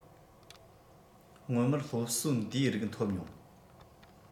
སྔོན མར སློབ གསོ འདིའི རིགས འཐོབ མྱོང